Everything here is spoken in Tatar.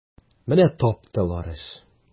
Менә таптылар эш!